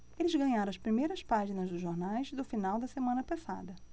eles ganharam as primeiras páginas dos jornais do final da semana passada